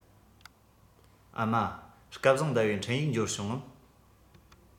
ཨ མ སྐལ བཟང ཟླ བའི འཕྲིན ཡིག འབྱོར བྱུང ངམ